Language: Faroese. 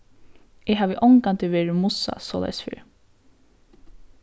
eg havi ongantíð verið mussað soleiðis fyrr